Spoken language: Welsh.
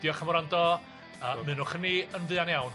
Diolch am wrando a ymunwch yn ni yn fuan iawn.